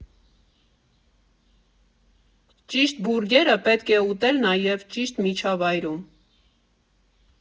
Ճիշտ բուրգերը պետք է ուտել նաև ճիշտ միջավայրում։